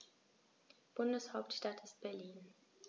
Bundeshauptstadt ist Berlin.